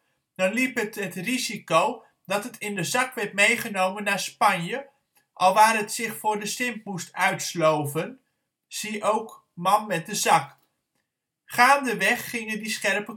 liep het het risico dat het in de zak werd meegenomen naar Spanje, alwaar het zich voor de Sint moest uitsloven (zie ook man met de zak). Gaandeweg gingen die scherpe